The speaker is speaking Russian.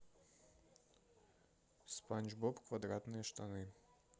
спанч боб квадратные штаны